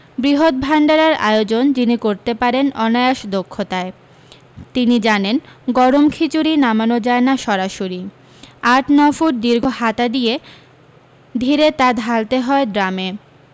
বৃহত ভাণ্ডারার আয়োজন যিনি করতে পারেন অনায়াস দক্ষতায় তিনি জানেন গরম খিচুড়ি নামানো যায় না সরাসরি আট ন ফুট দীর্ঘ হাতা দিয়ে ধীরে তা ঢালতে হয় ড্রামে